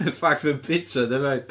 In fact mae'n byta defaid!